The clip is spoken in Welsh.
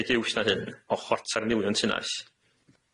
uwch na hyn o chwarter miliwn tunnall